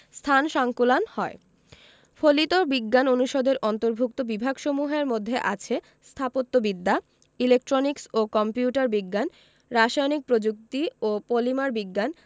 স্থান সংকুলান হয় ফলিত বিজ্ঞান অনুষদের অন্তর্ভুক্ত বিভাগসমূহের মধ্যে আছে স্থাপত্যবিদ্যা ইলেকট্রনিক্স ও কম্পিউটার বিজ্ঞান রাসায়নিক প্রযুক্তি ও পলিমার বিজ্ঞান